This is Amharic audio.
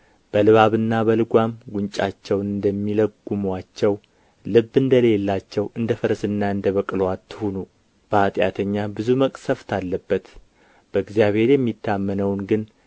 በልባብና በልጓም ጉንጫቸውን እንደሚለጕሙአቸው ልብ እንደሌላቸው እንደ ፈረስና እንደ በቅሎ አትሁኑ በኃጢአተኛ ብዙ መቅሠፍት አለበት በእግዚአብሔር የሚታመነውን ግን